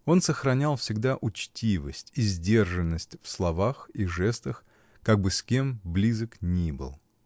Он сохранял всегда учтивость и сдержанность в словах и жестах, как бы с кем близок ни был.